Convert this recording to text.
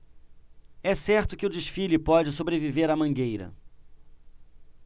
é certo que o desfile pode sobreviver à mangueira